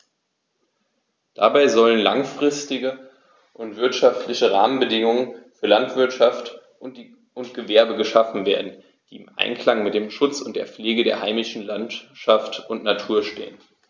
Dabei sollen langfristige und wirtschaftliche Rahmenbedingungen für Landwirtschaft und Gewerbe geschaffen werden, die im Einklang mit dem Schutz und der Pflege der heimischen Landschaft und Natur stehen.